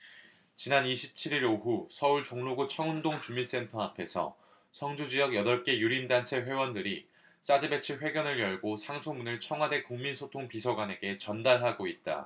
지난 이십 칠 일 오후 서울 종로구 청운동주민센터 앞에서 성주지역 여덟 개 유림단체 회원들이 사드배치 회견을 열고 상소문을 청와대 국민소통 비서관에게 전달하고 있다